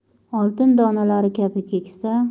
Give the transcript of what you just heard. oltin donalari kabi keksa